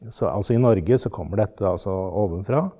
så altså i Norge så kommer dette altså ovenfra.